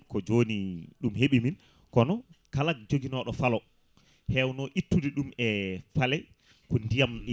ko joni ɗum heeɓi min kono kala joguino ɗo faalo hewno ittude ɗum e paale ko ndiyam